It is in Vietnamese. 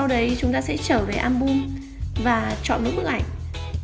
sau đó chúng ta trở về album và chọn những bức ảnh